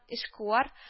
Эшкуар